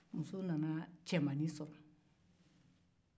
muso nana cɛmannin sɔrɔ